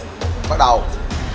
bắt đầu